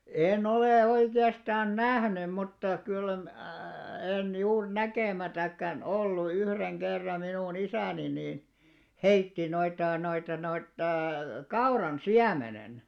en ole oikeastaan nähnyt mutta kyllä minä en juuri näkemättäkään ollut yhden kerran minun isäni niin heitti noita noita noita kauran siemenen